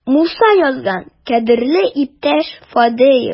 Муса язган: "Кадерле иптәш Фадеев!"